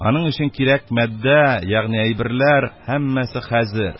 Аның өчен кирәк мадә ягъни әйберләр һәммәсе хәзер